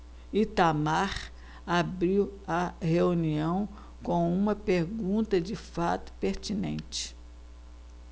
itamar abriu a reunião com uma pergunta de fato pertinente